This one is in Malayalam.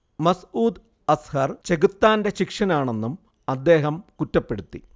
മസ്ഊദ് അസ്ഹർ ചെകുത്താന്റെ ശിഷ്യനാണെന്നും അദ്ദേഹം കുറ്റപ്പെടുത്തി